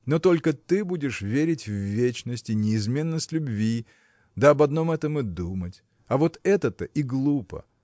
но только ты будешь верить в вечность и неизменность любви да об одном этом и думать а вот это-то и глупо